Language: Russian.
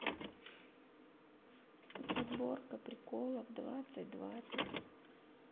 подборка приколов двадцать двадцать